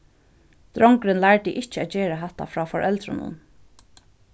drongurin lærdi ikki at gera hatta frá foreldrunum